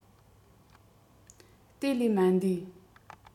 དེ ལས མ འདས